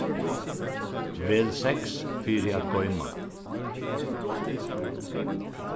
vel seks fyri at goyma